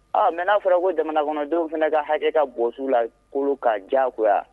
Ɔ mɛ n'a fɔra ko jamanadenw fana ka hakɛ ka bon lakolo ka diya